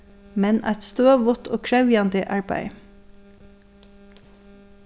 men eitt støðugt og krevjandi arbeiði